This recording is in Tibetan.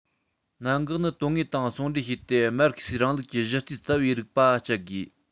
གནད འགག ནི དོན དངོས དང ཟུང འབྲེལ བྱས ཏེ མར ཁེ སིའི རིང ལུགས ཀྱི གཞི རྩའི རྩ བའི རིགས པ སྤྱད དགོས